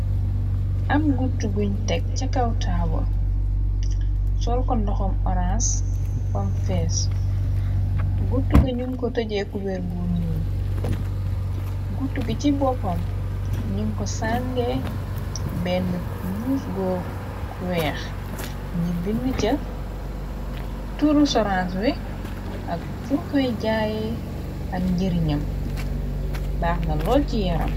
ab guutu guñ teg ca kawtaabal sol ko ndoxam orange pom fees guttu ga ñuñ ko tëje cubergo ñuul guutu gi ci boppam ñuñ ko sànge benn buus go weex ñë bind ca turu orangewe ak fuñ koy jaaye ak njëri ñam baax na loo ci yaram.